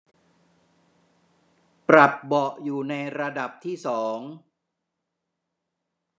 ปรับเบาะอยู่ในระดับที่สอง